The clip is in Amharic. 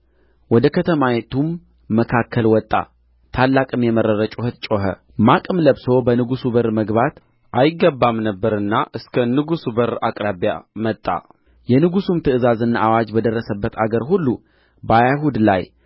ወደ ከተማይቱም መካከል ወጣ ታላቅም የመረረ ጩኸት ጮኸ ማቅም ለብሶ በንጉሥ በር መግባት አይገባም ነበርና እስከ ንጉሡ በር አቅራቢያ መጣ የንጉሡም ትእዛዝና አዋጅ በደረሰበት አገር ሁሉ በአይሁድ ላይ